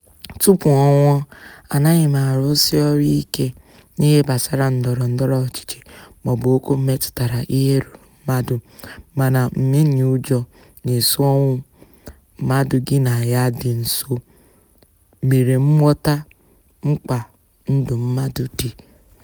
tụpụ ọ nwụọ, anaghị m arụsị ọrụ ike n'ihe gbasara ndọrọndọrọ ọchịchị maọbụ okwu metụtara ihe ruuru mmadụ mana mmenyeụjọ na-eso ọnwụ mmadụ gị na ya dị nso mere m ghọta mkpa ndụ mmadụ dị.